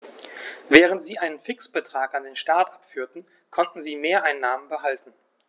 Während sie einen Fixbetrag an den Staat abführten, konnten sie Mehreinnahmen behalten.